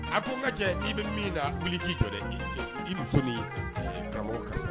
A ko n ka cɛ i bɛ min na fili k'i jɔ dɛ cɛ i musonin karamɔgɔ ka